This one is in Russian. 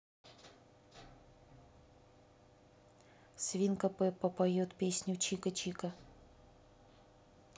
свинка пеппа поет песню чика чика